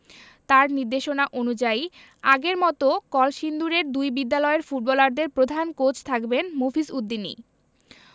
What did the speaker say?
তাঁর নির্দেশনা অনুযায়ী আগের মতো কলসিন্দুরের দুই বিদ্যালয়ের ফুটবলারদের প্রধান কোচ থাকবেন মফিজ উদ্দিনই